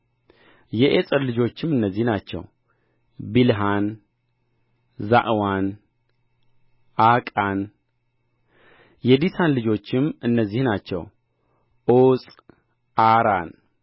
የኤጽር ልጆችም እነዚህ ናቸው ቢልሐን ዛዕዋን ዓቃን የዲሳን ልጆችም እነዚህ ናቸው ዑፅ አራን